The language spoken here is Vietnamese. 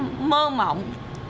mơ mộng